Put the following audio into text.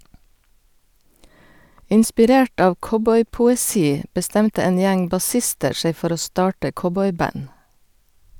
Inspirert av cowboypoesi bestemte en gjeng bassister seg for å starte cowboyband.